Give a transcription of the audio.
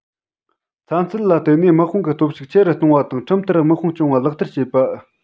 ཚན རྩལ ལ བརྟེན ནས དམག དཔུང གི སྟོབས ཤུགས ཆེ རུ གཏོང བ དང ཁྲིམས ལྟར དམག དཔུང སྐྱོང བ ལག བསྟར བྱེད པ